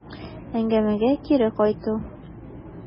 Әңгәмәгә кире кайту.